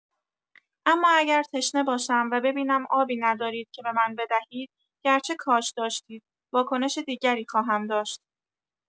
اما اگر تشنه باشم و ببینم آبی ندارید که به من بدهید، گرچه کاش داشتید، واکنش دیگری خواهم داشت.